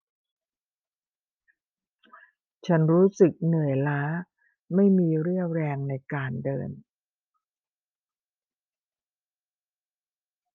ฉันรู้สึกเหนื่อยล้าไม่มีเรี่ยวแรงในการเดิน